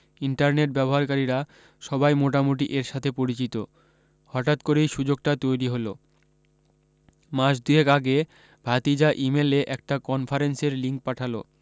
internet ব্যবহারকারীরা সবাই মোটামুটি এর সাথে পরিচিত হঠাত করেই সু্যোগটা তৈরী হলো মাসদুয়েক আগে ভাতিজা ইমেলে একটা কনফারেন্সের লিঙ্ক পাঠালো